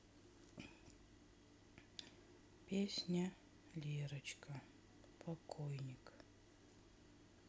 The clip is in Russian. песня лерочка покойник